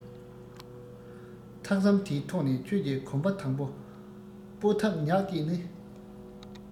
ཐག ཟམ དེའི ཐོག ནས ཁྱོད ཀྱི གོམ པ དང པོ སྤོ ཐབས ཉག གཅིག ནི